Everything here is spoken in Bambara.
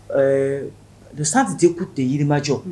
Ɛɛ le centre d'écoute de Yimadio